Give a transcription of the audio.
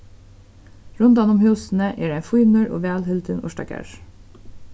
rundan um húsini er ein fínur og væl hildin urtagarður